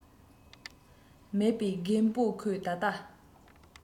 མེད པས རྒད པོ ཁོས ད ལྟ